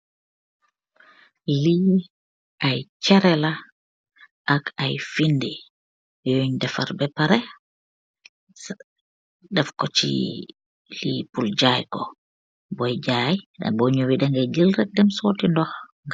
Lii ayy chereh la ak ay fendi yung defarr mbe pareh deff ko si lee pull jay ko bui jay ko boi jay bu nyoweh danga nyow rek dem sotee dokh.